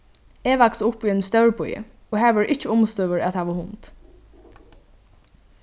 eg vaks upp í einum stórbýi og har vóru ikki umstøður at hava hund